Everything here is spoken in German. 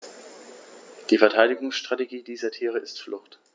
Die Verteidigungsstrategie dieser Tiere ist Flucht.